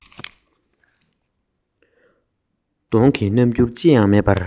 ར ལས བྱུང བ ཤེས པས ན